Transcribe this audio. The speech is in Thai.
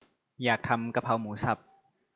อยากทำกะเพราหมูสับ